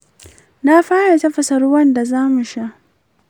na fara tafasa ruwan da zamu sha.